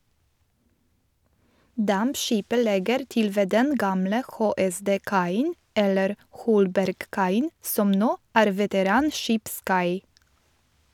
Dampskipet legger til ved den gamle HSD-kaien - eller Holbergkaien - som nå er veteranskipskai.